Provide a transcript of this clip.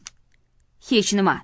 hech nima